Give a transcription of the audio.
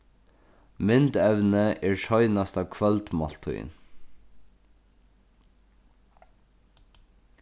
myndevnið er seinasta kvøldmáltíðin